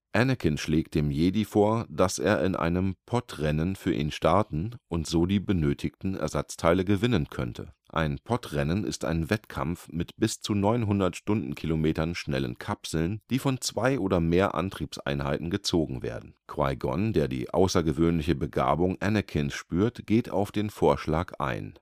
Anakin schlägt dem Jedi vor, dass er in einem Podrennen für ihn starten und so die benötigten Ersatzteile gewinnen könnte. Ein Podrennen ist ein Wettkampf mit bis zu 900 km/h schnellen Kapseln, die von zwei (oder mehr) Antriebseinheiten gezogen werden. Qui-Gon, der die außergewöhnliche Begabung Anakins spürt, geht auf den Vorschlag ein